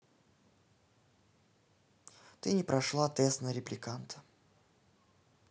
ты не прошла тест на репликанта